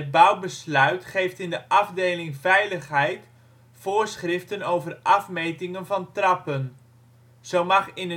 Bouwbesluit geeft in de afdeling Veiligheid voorschriften over afmetingen van trappen; zo mag in